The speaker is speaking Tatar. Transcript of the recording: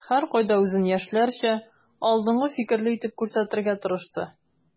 Һәркайда үзен яшьләрчә, алдынгы фикерле итеп күрсәтергә тырышты.